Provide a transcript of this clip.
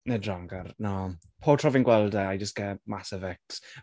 Nid rhagor, na. Pob tro fi'n gweld e, I just get massive icks.